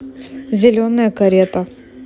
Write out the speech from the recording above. зеленая карета